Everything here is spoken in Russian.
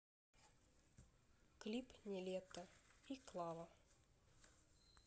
клип нилетто и клава